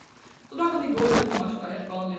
Så da kan de gå rundt på marka helt vanlig.